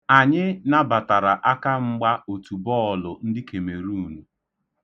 Anyị nabatara akamgba otu bọọlụ ndị Kemeruunu.